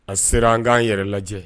A sera an k'an yɛrɛ lajɛ